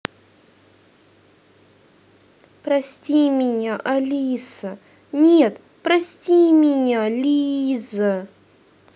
прости меня алиса нет прости меня лиза